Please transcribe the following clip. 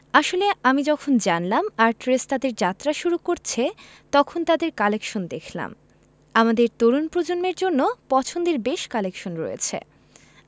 আসলে আমি যখন জানলাম আর্টরেস তাদের যাত্রা শুরু করেছে তখন তাদের কালেকশান দেখলাম আমাদের তরুণ প্রজন্মের জন্য পছন্দের বেশ কালেকশন রয়েছে